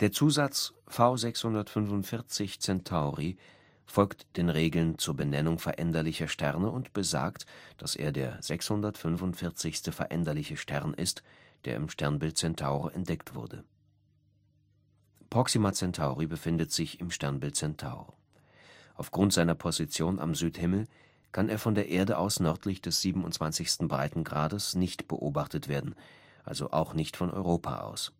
Zusatz „ V645 Centauri “folgt den Regeln zur Benennung veränderlicher Sterne und besagt, dass er der 645. veränderliche Stern ist, der im Sternbild Zentaur entdeckt wurde. Proxima Centauri befindet sich im Sternbild Zentaur. Aufgrund seiner Position am Südhimmel kann er von der Erde aus nördlich des 27. Breitengrades nicht beobachtet werden, also auch nicht von Europa aus